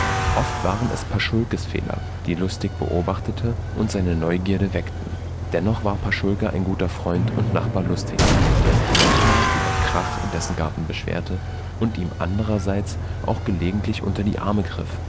Oft waren es Paschulkes „ Fehler “, die Lustig beobachtete und die seine Neugierde weckten. Dennoch war Paschulke ein guter Freund und Nachbar Lustigs, der sich manchmal über „ Krach “in dessen Garten beschwerte, und ihm andererseits auch gelegentlich unter die Arme griff